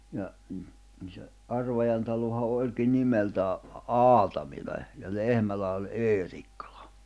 ja - se Arvajan talohan olikin nimeltään Aatamila ja Lehmälä oli Eerikkilä